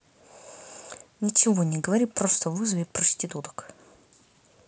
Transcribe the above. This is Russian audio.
ничего не говори просто вызови проституток